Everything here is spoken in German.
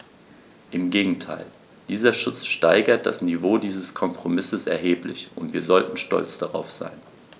Im Gegenteil: Dieser Schutz steigert das Niveau dieses Kompromisses erheblich, und wir sollten stolz darauf sein.